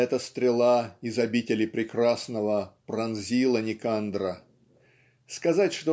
Эта стрела из обители прекрасного пронзила Никандра. Сказать